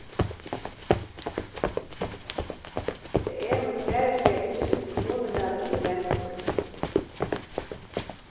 tað er mítt varisliga ynski til kommunuvalið í novembur